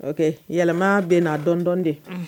O yɛlɛma bɛ n'a dɔndɔ de